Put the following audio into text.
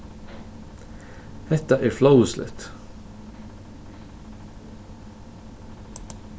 hetta er flovisligt